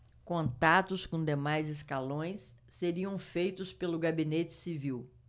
contatos com demais escalões seriam feitos pelo gabinete civil